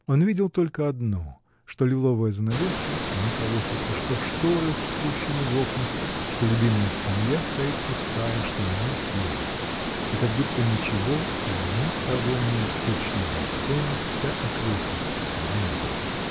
Он видел только одно, что лиловая занавеска не колышется, что сторы спущены в окнах, что любимая скамья стоит пустая, что нет Веры — и как будто ничего и никого нет: точно весь дом, вся окрестность вымерли.